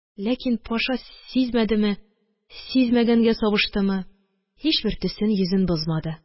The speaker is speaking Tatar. Ләкин Паша сизмәдеме, сизенмәгәнгә сабыштымы, һичбер төсен, йөзен бозмады.